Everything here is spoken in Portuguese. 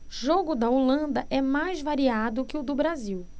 jogo da holanda é mais variado que o do brasil